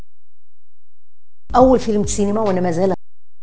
اول فيلم سينمائي